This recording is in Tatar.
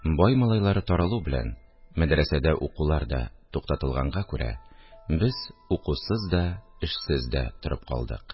Бай малайлары таралу белән мәдрәсәдә укулар да туктатылганга күрә, без укусыз да, эшсез дә торып калдык